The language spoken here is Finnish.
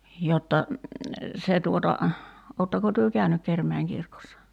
jotta se tuota oletteko te käynyt Kerimäen kirkossa